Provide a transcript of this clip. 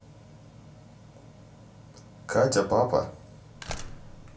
катя папа